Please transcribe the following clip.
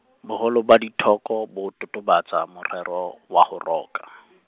boholo ba dithoko bo totobatsa morero, wa ho roka.